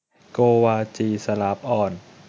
โกวาจีสลาฟออน